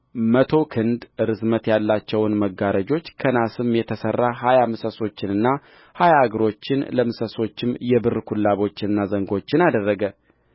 መቶ ክንድ ርዝመት ያላቸውን መጋረጆች ከናስም የተሠራ ሀያ ምሰሶችንና ሀያ እግሮችን ለምሰሶቹም የብር ኩላቦችንና ዘንጎችን አደረገ